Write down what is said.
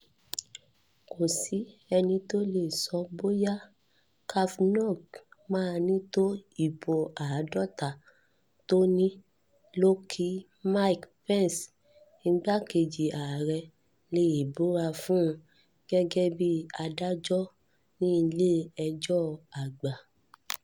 Kò sí ẹni tó lè sọ bóyá Kavanaugh máa ní tó ibò 50 tó ní lò kí Mike Pence, igbákejì ààrẹ, lè búra fun un gẹ́gẹ́ bí adájọ́ ní Ilé-ẹjọ́ Àgbà.